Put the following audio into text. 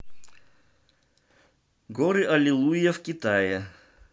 горы аллилуйя в китае